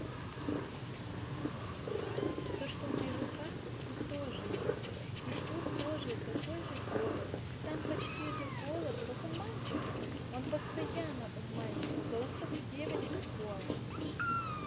то что у моего папы ты тоже есть и тут тоже такой же голос там почти же голос как у мальчика он постоянно у мальчика голосок девочки голос